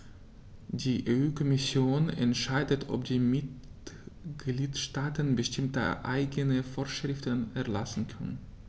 Die EU-Kommission entscheidet, ob die Mitgliedstaaten bestimmte eigene Vorschriften erlassen können.